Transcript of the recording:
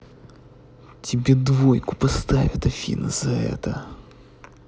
тебе двойку поставят афина за это